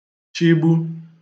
chịgbu